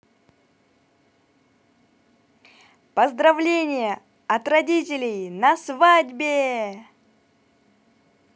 поздравления от родителей на свадьбе